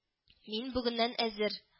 — мин бүгеннән әзер